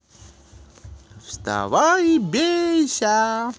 вставай и бейся